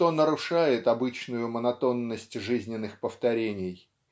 что нарушает обычную монотонность жизненных повторений.